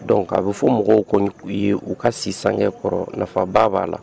Donc k'a bɛ fɔ mɔgɔw kɔni ye u ka sisansankɛkɔrɔ nafabaa b'a la